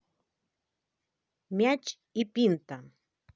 мяч и пинта